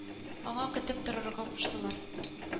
Исмәгыйль шундук карчыкны якасыннан эләктер алды.